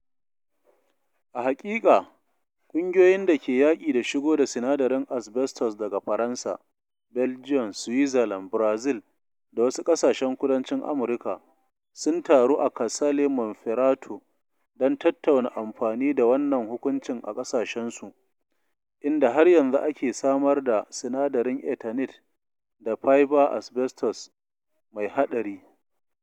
A haƙiƙa, ƙungiyoyin da ke yaƙi da shigo da sinadarin asbestos daga Faransa, Belgium, Switzerland, Brazil, da wasu ƙasashen Kudancin Amurka sun taru a Casale Monferrato don tattauna amfani da wannan hukuncin a ƙasashensu, inda har yanzu ake samar da sinadaran Eternit da fibar asbestos mai haɗari.